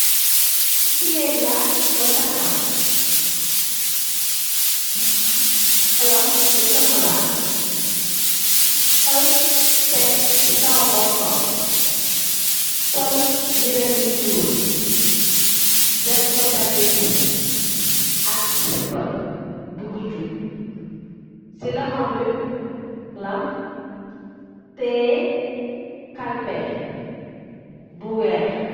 Kii jigéen la, bu taxaw, mu am kolo, bu sokolaa, mu sol tek si kow boopam, sol yire bu ñuul, def ko dagit ak sippa bu guddu. Si loom bi mung takkë lam, tiye kalpe bu weex.